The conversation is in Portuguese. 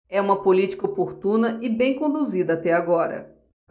é uma política oportuna e bem conduzida até agora